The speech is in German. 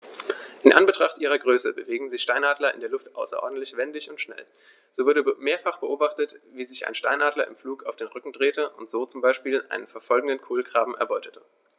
In Anbetracht ihrer Größe bewegen sich Steinadler in der Luft außerordentlich wendig und schnell, so wurde mehrfach beobachtet, wie sich ein Steinadler im Flug auf den Rücken drehte und so zum Beispiel einen verfolgenden Kolkraben erbeutete.